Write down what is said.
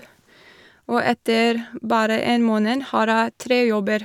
Og etter bare en måned har jeg tre jobber.